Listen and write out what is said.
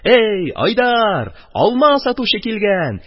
Әй... Айдар, алма сатучы килгән